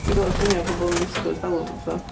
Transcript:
Ti'n gweld y lluniau o bobl yn gwisgo ers talwm a pethau?